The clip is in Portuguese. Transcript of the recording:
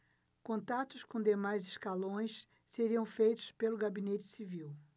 contatos com demais escalões seriam feitos pelo gabinete civil